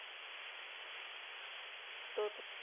кто ты